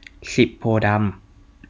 สิบโพธิ์ดำ